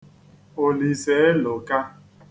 Òlìsàelòka